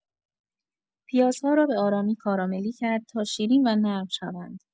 پیازها را به‌آرامی کاراملی کرد تا شیرین و نرم شوند.